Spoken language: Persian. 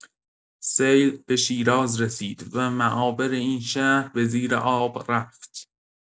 سیل به شیراز رسید و معابر این شهر به زیر آب رفت.